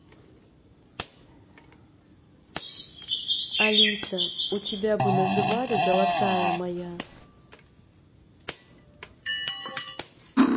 алиса у тебя бы называли золотая моя